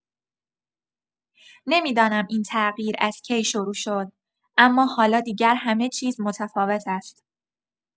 نمی‌دانم این تغییر از کی شروع شد، اما حالا دیگر همه‌چیز متفاوت است.